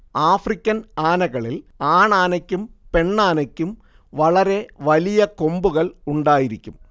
African ആനകളിൽ ആണാനയ്ക്കും പെണ്ണാനയ്ക്കും വളരെ വലിയ കൊമ്പുകൾ ഉണ്ടായിരിക്കും